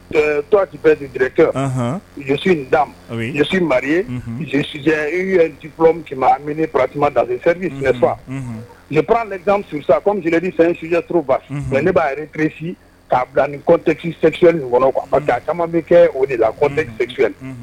Toti bɛkɛsi dasi mari ye i pti da fɛnji fifa ninura bɛ dasadi fɛn si turuba mɛ ne b'a yɛrɛ psi'a bila ni kɔntetisɛcsɛ nin kɔnɔ nka kama bɛ kɛ o de la kɔnmtesɛc